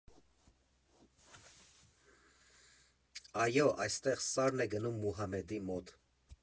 Այո, այստեղ սարն է գնում Մուհամեդի մոտ։